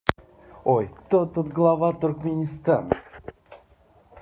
ой кто глава туркменистана